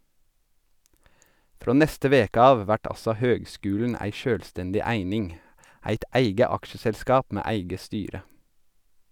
Frå neste veke av vert altså høgskulen ei sjølvstendig eining , eit eige aksjeselskap med eige styre.